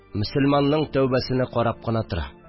Мөселманның тәүбәсене карап кына тора